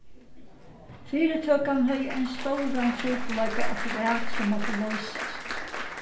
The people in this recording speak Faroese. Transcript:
fyritøkan hevði ein stóran trupulleika afturat sum mátti loysast